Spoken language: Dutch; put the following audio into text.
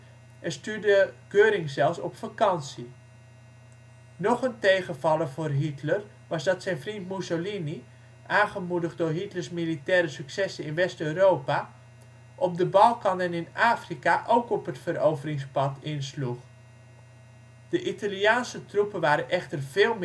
stuurde Göring zelfs op ' vakantie '. Nog een tegenvaller voor Hitler was dat zijn ' vriend ' Mussolini, aangemoedigd door Hitlers militaire successen in West-Europa, op de Balkan en in Afrika ook het veroveringspad insloeg. De Italiaanse troepen waren echter veel